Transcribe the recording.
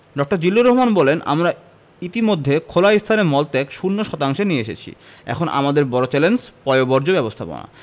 ড. বলেন জিল্লুর রহমান আমরা ইতিমধ্যে খোলা স্থানে মলত্যাগ শূন্য শতাংশে নিয়ে এসেছি এখন আমাদের বড় চ্যালেঞ্জ পয়ঃবর্জ্য ব্যবস্থাপনা